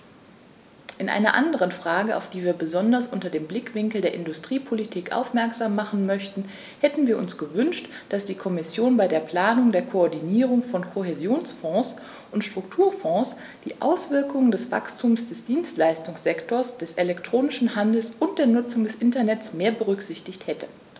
In einer anderen Frage, auf die wir besonders unter dem Blickwinkel der Industriepolitik aufmerksam machen möchten, hätten wir uns gewünscht, dass die Kommission bei der Planung der Koordinierung von Kohäsionsfonds und Strukturfonds die Auswirkungen des Wachstums des Dienstleistungssektors, des elektronischen Handels und der Nutzung des Internets mehr berücksichtigt hätte.